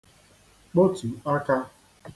kpotù akā